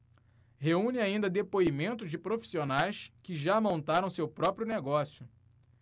reúne ainda depoimentos de profissionais que já montaram seu próprio negócio